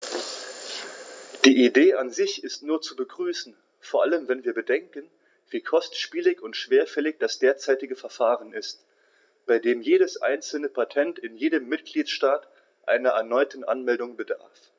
Die Idee an sich ist nur zu begrüßen, vor allem wenn wir bedenken, wie kostspielig und schwerfällig das derzeitige Verfahren ist, bei dem jedes einzelne Patent in jedem Mitgliedstaat einer erneuten Anmeldung bedarf.